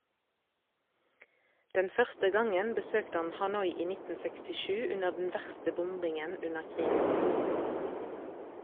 Den første gangen besøkte han Hanoi i 1967 under den verste bombingen under krigen.